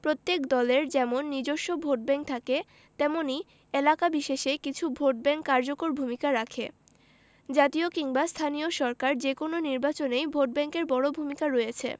প্রত্যেক দলের যেমন নিজস্ব ভোটব্যাংক থাকে তেমনি এলাকা বিশেষে কিছু ভোটব্যাংক কার্যকর ভূমিকা রাখে জাতীয় কিংবা স্থানীয় সরকার যেকোনো নির্বাচনেই ভোটব্যাংকের বড় ভূমিকা রয়েছে